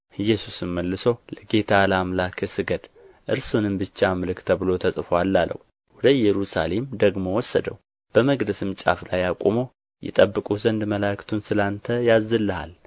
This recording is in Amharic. ኢየሱስም መልሶ ለጌታ ለአምላክህ ስገድ እርሱንም ብቻ አምልክ ተብሎ ተጽፎአል አለው ወደ ኢየሩሳሌም ደግሞ ወሰደው በመቅደስም ጫፍ ላይ አቁሞ ይጠብቁህ ዘንድ መላእክቱን ስለ አንተ ያዝልሃል